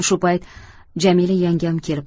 shu payt jamila yangam kelib